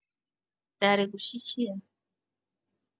درگوشی چیه؟